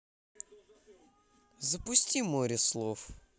запусти море слов